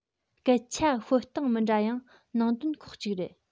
སྐད ཆ ཤོད སྟངས མི འདྲ ཡང ནང དོན ཁོག གཅིག རེད